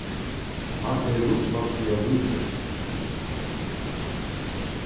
hann er lutfalsliga lítil